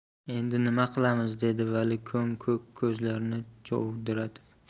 endi nima qilamiz dedi vali ko'm ko'k ko'zlarini jovdiratib